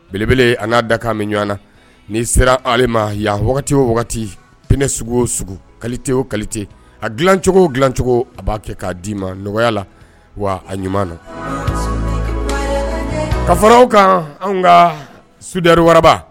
Belebele a n'a dakan mɛn ɲɔgɔn na ni sera ale ma yan wagati o wagati p sugu o sugu kate o kalilite a dilancogo dilancogo a b'a kɛ k'a d'i ma nɔgɔya la wa a ɲuman na ka fɔraw kan anw ka sudari wararaba